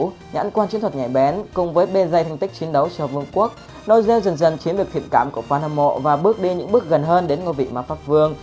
nhãn quan chiến thuật nhạy bén cùng với bề dày thành tích chiến đấu cho vương quốc nozel dần dần chiếm được thiện cảm của fan hâm mộ và bước đi những bước đi gần hơn đến ngội vị mpv